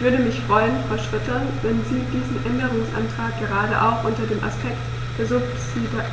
Ich würde mich freuen, Frau Schroedter, wenn Sie diesen Änderungsantrag gerade auch unter dem Aspekt der Subsidiarität